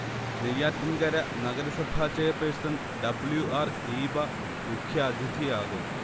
നെയ്യാറ്റിൻകര നഗരസഭ chairperson W R Heeba മുഖ്യാതിഥിയാകും